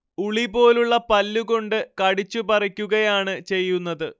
ഉളി പോലുള്ള പല്ലു കൊണ്ട് കടിച്ചു പറിക്കുകയാണ് ചെയ്യുന്നത്